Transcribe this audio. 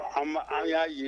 An an y'a ye